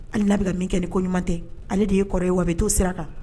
Hali n'a bɛ ka min kɛ ni ko ɲuman tɛ. Ale de ye kɔrɔ ye wa a bɛ t'o sira kan.